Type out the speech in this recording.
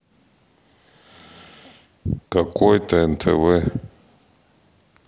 какой то нтв